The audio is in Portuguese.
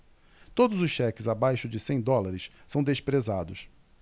todos os cheques abaixo de cem dólares são desprezados